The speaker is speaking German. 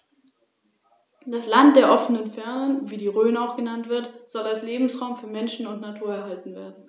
Landkreise, Kommunen, Vereine, Verbände, Fachbehörden, die Privatwirtschaft und die Verbraucher sollen hierzu ihren bestmöglichen Beitrag leisten.